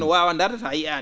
no waawa ndaarde taa yiyaani